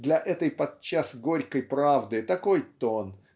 для этой подчас горькой правды такой тон